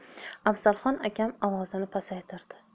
afzalxon akam ovozini pasaytirdi